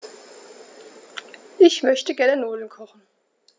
Ich möchte gerne Nudeln kochen.